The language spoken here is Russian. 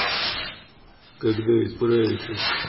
когда исправиться